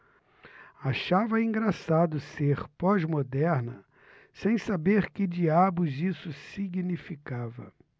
achava engraçado ser pós-moderna sem saber que diabos isso significava